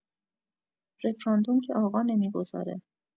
رفراندوم که آقا نمی‌گذاره